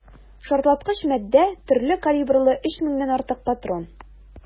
Шартлаткыч матдә, төрле калибрлы 3 меңнән артык патрон.